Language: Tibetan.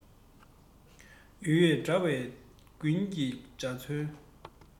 ཡོད ཡོད འདྲ བའི དགུང གི འཇའ ཚོན